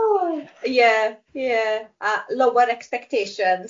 O. Ie ie a lower expectations.